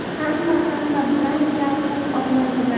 hamma hamma bilan kal qiz oyna bilan